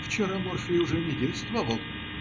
- Вчера морфий уже не действовал.